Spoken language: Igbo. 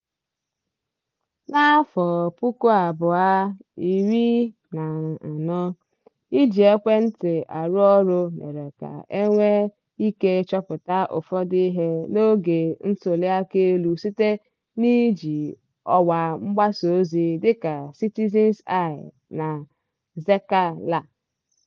N'afọ 2014, iji ekwentị arụ ọrụ mere ka e nwee ike chọpụta ụfọdụ ihe n'oge ntuliaka elu site n'iji ọwa mgbasa ozi dịka Citizen's Eye na Txeka-lá.